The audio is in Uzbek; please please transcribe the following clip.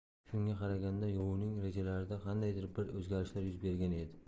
shunga qaraganda yovning rejalarida qandaydir bir o'zgarishlar yuz bergan edi